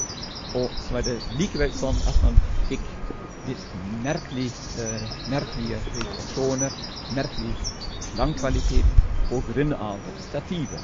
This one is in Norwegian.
Og så er det likevel sånn at man fikk litt merkelig merkelige refleksjoner, merkelig klangkvalitet, på grunn av dette stativet.